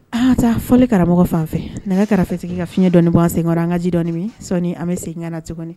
An ka taa fɔli karamɔgɔ fan fɛ nɛgɛ karatafetigi ka fiɲɛ dɔɔni bɔ an sen kɔrɔ an ka ji dɔɔni mi sɔni an bɛ segin ka na tuguni